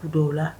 U don o la